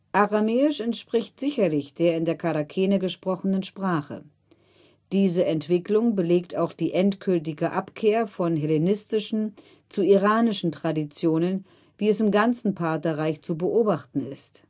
Aramäisch entspricht sicherlich der in der Charakene gesprochenen Sprache. Diese Entwicklung belegt auch die endgültige Abkehr von hellenistischen zu iranischen Traditionen, wie es im ganzen Partherreich zu beobachten ist